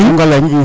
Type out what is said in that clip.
o Ngalagne